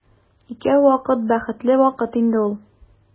Икәү вакыт бәхетле вакыт инде ул.